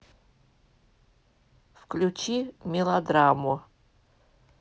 включи мелодраму